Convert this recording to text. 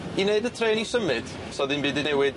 I wneud y trên i symud sa ddim byd 'di newid.